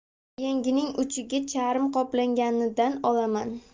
yengining uchiga charm qoplanganidan olaman